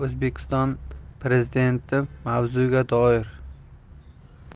o'zbekiston prezidentimavzuga doir